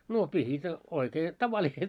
no pihdit oikein tavalliset